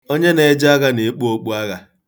Onye na-eje agha na-ekpu okpuagha.